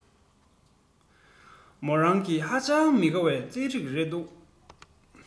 མོ རང གི ཧ ཅང མི དགའ བའི རྩིས རིགས རེད འདུག